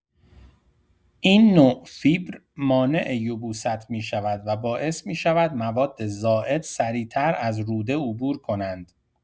این نوع فیبر مانع یبوست می‌شود و باعث می‌شود مواد زائد سریع‌تر از روده عبور کنند.